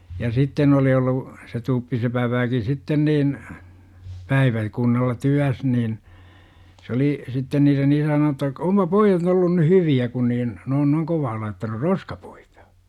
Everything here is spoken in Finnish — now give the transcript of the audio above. ja sitten oli ollut se tuppisepän väki sitten niin - päiväkunnalla työssä niin se oli sitten niiden isä sanonut että onpa pojat ollut nyt hyviä kun niin ne on noin kovaa laittanut roskapuita